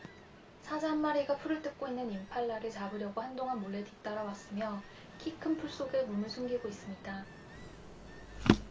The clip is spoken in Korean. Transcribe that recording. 사자 한 마리가 풀을 뜯고 있는 임팔라를 잡으려고 한동안 몰래 뒤따라왔으며 키 큰 풀 속에 몸을 숨기고 있습니다